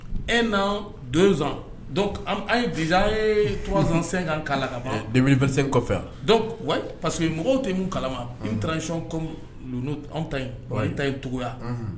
1 an 2 ans donc an b an ye déjà an yee 3 ans 5 ans k'a la kaban kala ka ban 2025 kɔfɛ a donc ouai parce que mɔgɔw te mun kalama unhun une transition comme nôtre anw ta in ta in togoya unhun